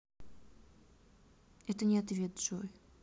это не ответ джой